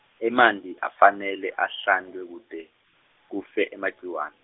emanti, afanele ahlantwe kute, kufe emagciwane.